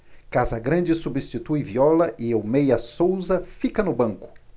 casagrande substitui viola e o meia souza fica no banco